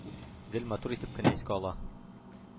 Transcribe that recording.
Гел матур итеп кенә искә ала